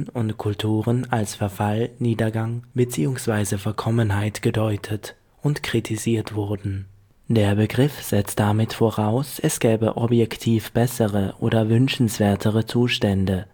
und Kulturen als Verfall, Niedergang bzw. Verkommenheit gedeutet und kritisiert wurden. Der Begriff setzt damit voraus, es gäbe objektiv bessere oder wünschenswertere Zustände